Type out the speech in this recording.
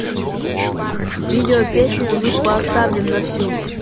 видео песня звук поставим на всю